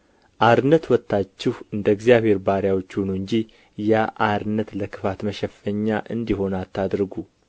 አርነት ወጥታችሁ እንደ እግዚአብሔር ባሪያዎች ሁኑ እንጂ ያ አርነት ለክፋት መሸፈኛ እንዲሆን አታድርጉ